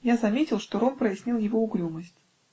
Я заметил, что ром прояснил его угрюмость.